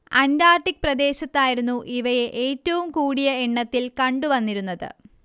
Antarctic പ്രദേശത്തായിരുന്നു ഇവയെ ഏറ്റവും കൂടിയ എണ്ണത്തിൽ കണ്ടു വന്നിരുന്നത്